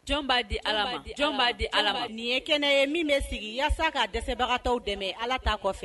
Jɔn b'a di Ala ma jɔn b'a di Ala ma nin ye kɛnɛ ye min be sigi yaasa ka dɛsɛbagatɔw dɛmɛ Ala ta kɔfɛ